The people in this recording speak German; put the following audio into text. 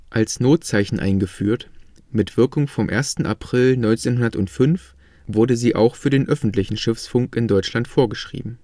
als Notzeichen eingeführt; mit Wirkung vom 1. April 1905 wurde sie auch für den öffentlichen Schiffsfunk in Deutschland vorgeschrieben